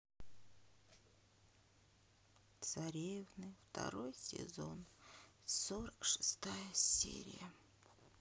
царевны второй сезон сорок шестая серия